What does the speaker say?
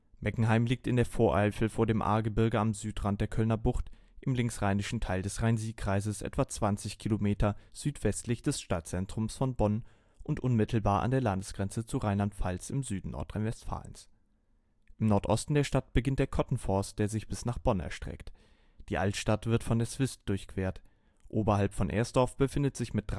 Meckenheim liegt in der Voreifel vor dem Ahrgebirge am Südrand der Kölner Bucht, im linksrheinischen Teil des Rhein-Sieg-Kreises, etwa 20 Kilometer südwestlich des Stadtzentrums von Bonn und unmittelbar an der Landesgrenze zu Rheinland-Pfalz im Süden Nordrhein-Westfalens. Im Nordosten der Stadt beginnt der Kottenforst, der sich bis nach Bonn erstreckt. Die Altstadt wird von der Swist durchquert. Oberhalb von Ersdorf befindet sich mit